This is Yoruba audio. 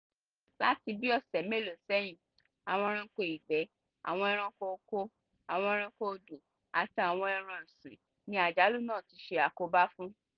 Láti bíi ọ̀sẹ̀ mélòó sẹ́yìn, àwọn ẹranko ìgbẹ́, àwọn ẹranko oko, àwọn ẹranko odò àti àwọn ẹran ọ̀sìn ni àjálù náà ti ṣe àkóbá fún.